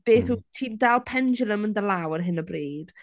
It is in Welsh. beth... wyt ti'n dal pendulum yn dy law ar hyn o bryd?